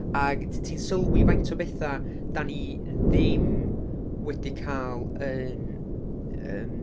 Ac t- ti'n sylwi faint o betha dan ni ddim wedi cael yn ymm...